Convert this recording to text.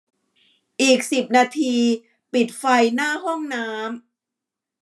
อีกสิบนาทีปิดไฟหน้าห้องน้ำ